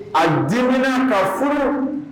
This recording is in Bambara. A denmina ka furu